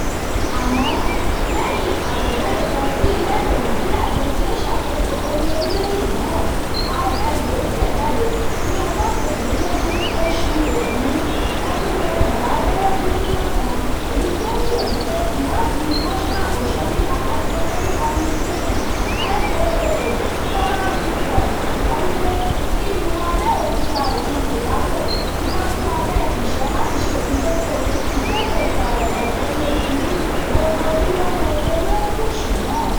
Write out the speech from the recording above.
Àmọ́ lẹ́yìn àtẹ̀jáde kan sí ilé ìròyìn tí Àjọ tí ó ń ṣàkóso Omi orílẹ̀ èdè náà (IMA) tẹ̀ jáde ní ọjọ́ 22, oṣù Ògún ọdún-un 2019, èyí tí ó kìlọ̀ wípé – ìwádìíi National Oceanic and Atmospheric Administration (NOAA) Coral Reef Watch sọ wípé — iyùn abẹ́ òkúta òkun Tobago ti bọ́ sì abẹ́ ìṣọ́ láti ṣe òfíntótó "Ìkéde Ìpàwọ̀dàa Ìpele Ìkíni", gbogbo ojú ló ń wo erékùṣù náà.